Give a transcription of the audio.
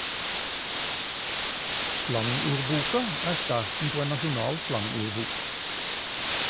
Slangordboka er starten på en nasjonal slangordbok.